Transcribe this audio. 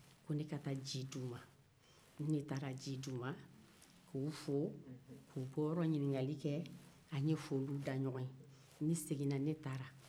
ne taara ji di u ma k'u fo unhun k'u bɔyɔrɔ ɲinikali kɛ an ye foliw da ɲɔgɔn ye ne segin na ne taara